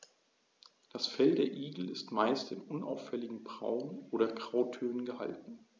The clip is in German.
Das Fell der Igel ist meist in unauffälligen Braun- oder Grautönen gehalten.